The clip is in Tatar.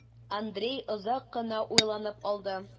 Андрей озак кына уйланып алды.